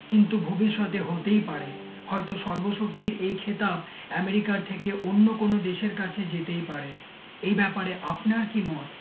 কিন্তু ভবিষ্যতে হতেই পারে হয়তো সর্বশক্তির এই খেতাব এমেরিকার থেকে অন্য কোন দেশের কাছে যেতেই পারে এই ব্যাপারে আপনার কি মত